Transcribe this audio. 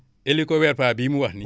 hélicoverpa bii mu wax nii